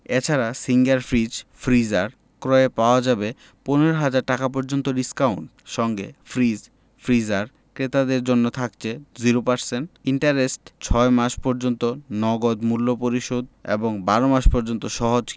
এ ছাড়া Singer fridge freezer ক্রয়ে পাওয়া যাবে ১৫ ০০০ টাকা পর্যন্ত ডিসকাউন্ট সঙ্গে ফ্রিজ ফ্রিজার ক্রেতাদের জন্য থাকছে ০% ইন্টারেস্ট ৬ মাস পর্যন্ত নগদ মূল্য পরিশোধ এবং ১২ মাস পর্যন্ত সহজ